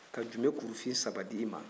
ka jume kurufin saba di i ma